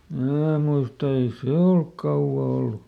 minä muistan ei se ole kauan ollut